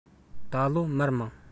ད ལོ མར མང